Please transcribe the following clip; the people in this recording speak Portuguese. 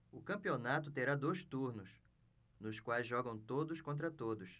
o campeonato terá dois turnos nos quais jogam todos contra todos